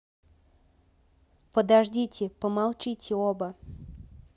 подождите помолчите оба